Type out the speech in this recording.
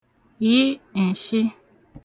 yị ǹshị